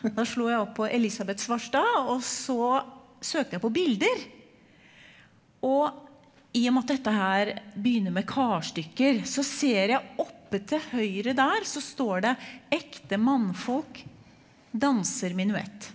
da slo jeg opp på Elisabeth Svarstad og så søkte jeg på bilder, og i og med at dette her begynner med karstykker så ser jeg oppe til høyre der så står det ekte mannfolk danser menuett.